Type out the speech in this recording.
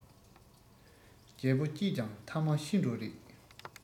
རྒྱལ པོ སྐྱིད ཀྱང ཐ མ ཤི འགྲོ རེད